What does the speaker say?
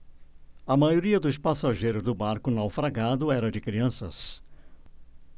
a maioria dos passageiros do barco naufragado era de crianças